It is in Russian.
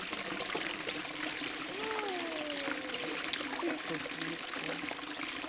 ты тупица